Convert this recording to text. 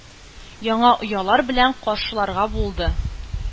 Яңа оялар белән каршыларга булды.